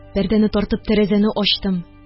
Пәрдәне тартып, тәрәзәне ачтым